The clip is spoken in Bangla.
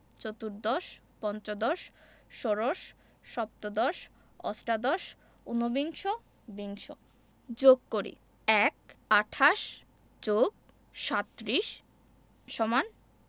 চতুর্দশ পঞ্চদশ ষোড়শ সপ্তদশ অষ্টাদশ উনবিংশ বিংশ যোগ করিঃ ১ ২৮ + ৩৭ =